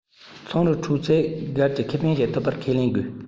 ཚོང རའི ཁྲོད ཚད བརྒལ གྱི ཁེ ཕན ཞིག ཐོབ པར ཁས ལེན དགོས